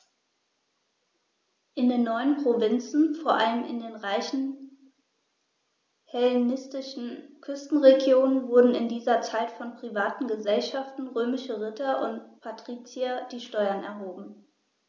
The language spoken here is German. In den neuen Provinzen, vor allem in den reichen hellenistischen Küstenregionen, wurden in dieser Zeit von privaten „Gesellschaften“ römischer Ritter und Patrizier die Steuern erhoben.